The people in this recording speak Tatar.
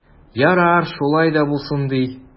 Ярар, шулай да булсын ди.